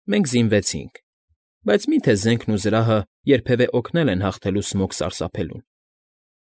Մենք զինվեցինք, բայց մի՞թե զենքն ու զրահը երբևէ օգնել են հաղթելու Սմոգ Սարսափելուն։